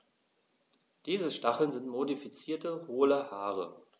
Diese Stacheln sind modifizierte, hohle Haare.